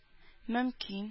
Мөмкин